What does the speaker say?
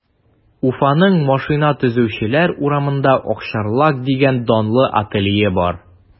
Уфаның Машина төзүчеләр урамында “Акчарлак” дигән данлы ателье бар.